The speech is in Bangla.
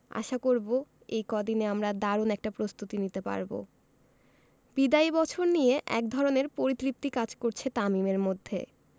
আশা করব এই কদিনে আমরা দারুণ একটা প্রস্তুতি নিতে পারব বিদায়ী বছর নিয়ে একধরনের পরিতৃপ্তি কাজ করছে তামিমের মধ্যে